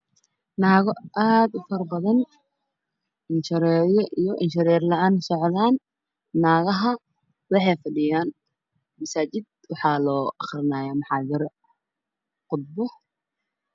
Naago aad u faro badan indho shareer iyo indho shareer la, aan socdaan naagaha waxay fadhiyaan masaajid waxa loo aqrinayaa muxaadaro khudbo